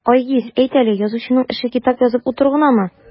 Айгиз, әйт әле, язучының эше китап язып утыру гынамы?